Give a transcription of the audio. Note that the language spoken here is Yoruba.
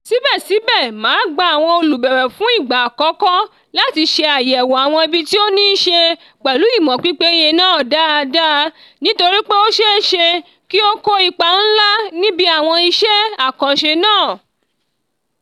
Síbẹ̀síbẹ̀ máa gba àwọn olùbẹ̀wẹ̀ fún ìgbà àkọ́kọ́ láti ṣàyẹ̀wò àwọn ibi tí ó ní í ṣe pẹ̀lú ìmọ̀ pípéye náà dáadáa, nítorí pé ó ṣeé ṣe kí ó kó ipa ńlá níbi àwọn iṣẹ́ àkànṣe náà.